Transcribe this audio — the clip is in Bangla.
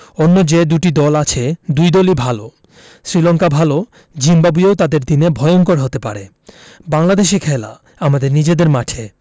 অন্য যে দুটি দল আছে দুই দলই ভালো শ্রীলঙ্কা ভালো জিম্বাবুয়েও তাদের দিনে ভয়ংকর হতে পারে বাংলাদেশে খেলা আমাদের নিজেদের মাঠে